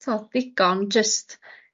t'o' ddigon jyst